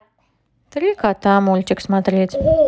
три кота мультик смотреть